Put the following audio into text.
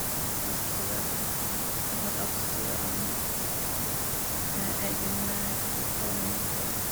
Og jeg skal studere etnografisk studere en heilt egen kultur på en ungdomsskole der.